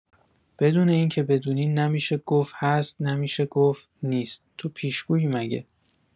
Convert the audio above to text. بدون اینکه بدونین نه می‌شه گفت هست نمی‌شه گفت نیست تو پیشگویی مگه؟